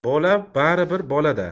bola bari bir bola da